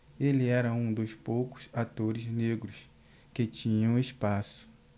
ele era um dos poucos atores negros que tinham espaço